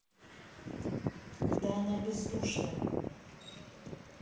да она бездушная